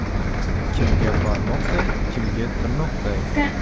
kimga barmoqday kimga tirnoqday